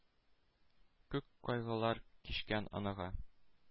Күп кайгылар кичкән анага.